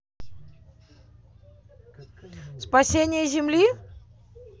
спасение земли